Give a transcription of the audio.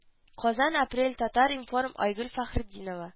Казан апрель татар-информ айгөл фәхретдинова